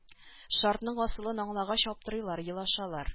Шартның асылын аңлагач аптырыйлар елашалар